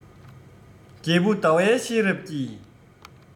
རྒྱལ བུ ཟླ བའི ཤེས རབ ཀྱིས